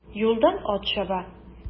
Юлдан ат чаба.